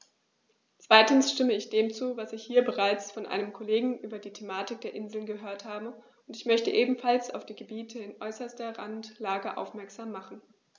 Zweitens stimme ich dem zu, was ich hier bereits von einem Kollegen über die Thematik der Inseln gehört habe, und ich möchte ebenfalls auf die Gebiete in äußerster Randlage aufmerksam machen.